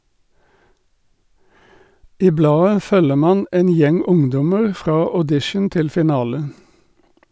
I bladet følger man en gjeng ungdommer fra audition til finale.